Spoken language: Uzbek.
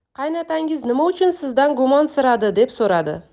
qaynotangiz nima uchun sizdan gumonsiradi deb so'radi